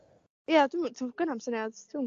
ia dwi'm dwi'm yn gwbod genai'm syniad dwi'm yn gwbo.